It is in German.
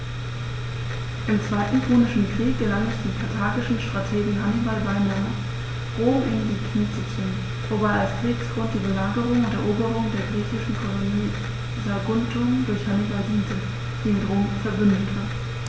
Im Zweiten Punischen Krieg gelang es dem karthagischen Strategen Hannibal beinahe, Rom in die Knie zu zwingen, wobei als Kriegsgrund die Belagerung und Eroberung der griechischen Kolonie Saguntum durch Hannibal diente, die mit Rom „verbündet“ war.